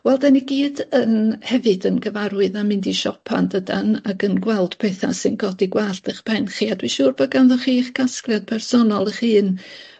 Wel 'dan ni gyd yn hefyd yn gyfarwydd â mynd i siopa yn dydan, ac yn gweld petha sy'n codi gwallt 'ych pen chi, a dwi siŵr bod ganddoch chi 'ych casgliad personol 'ych hun.